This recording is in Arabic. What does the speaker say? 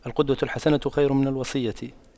القدوة الحسنة خير من الوصية